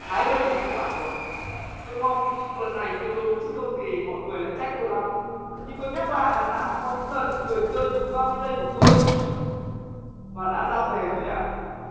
thái bình là không phải rồi tôi mong lần này tôi đúng chứ không thì mọi người lại trách tôi lắm nhưng tôi nhắc lại là đã có những lần người chơi dùng ba mươi giây của tôi và đã ra về rồi đấy